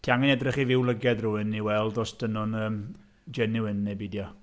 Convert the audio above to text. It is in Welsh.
Ti angen edrych i fyw lygaid rhywun i weld os ydyn nhw'n yym genuine neu beidio.